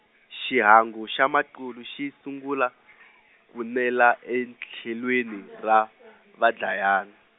xihangu xa maqulu xi sungula, ku nela etlhelweni ra, vaDlayani.